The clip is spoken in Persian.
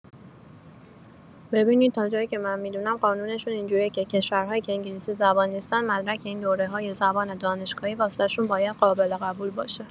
ببینید تا جایی که من می‌دونم قانونشون اینجوریه که کشورهایی که انگلیسی‌زبان نیستن مدرک این دوره‌های زبان دانشگاهی واسشون باید قابل‌قبول باشه